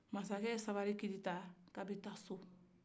masakɛ ye sabali kili ta k'a bɛ taa so